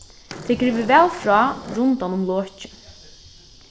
tað er grivið væl frá rundan um lokið